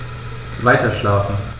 Weiterschlafen.